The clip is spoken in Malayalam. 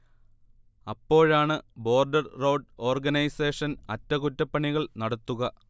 അപ്പോഴാണ് ബോർഡർ റോഡ് ഓർഗനൈസേഷൻ അറ്റകുറ്റപ്പണികൾ നടത്തുക